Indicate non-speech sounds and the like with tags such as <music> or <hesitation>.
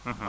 <hesitation> <hesitation>